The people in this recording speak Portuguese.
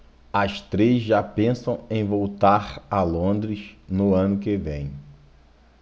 as três já pensam em voltar a londres no ano que vem